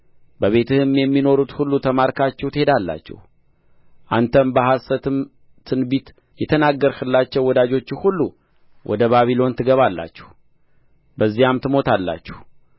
በቤትህም የሚኖሩት ሁሉ ተማርካችሁ ትሄዳላችሁ አንተም በሐሰትም ትንቢት የተናገርህላቸው ወዳጆችህ ሁሉ ወደ ባቢሎን ትገባላችሁ በዚያም ትሞታላችሁ